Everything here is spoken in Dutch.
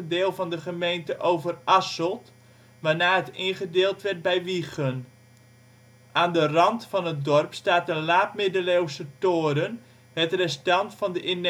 deel van de gemeente Overasselt waarna het ingedeeld werd bij Wijchen. Aan de rand van het dorp staat een laat-middeleeuwse toren, het restant van de in